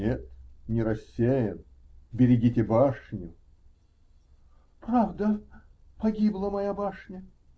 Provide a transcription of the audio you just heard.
-- Нет, не рассеян: берегите башню. -- Правда. Погибла моя башня.